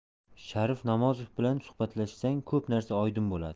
sharif namozov bilan suhbatlashsang ko'p narsa oydin bo'ladi